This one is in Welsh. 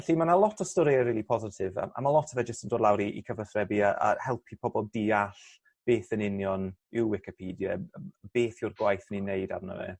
felly ma' 'na lot o storie rili positif a a ma' lot o fe jyst yn dod lawr i i cyfathrebu a a helpu pobol deall beth yn union yw wicipedie yym beth yw'r gwaith ni'n neud arno fe.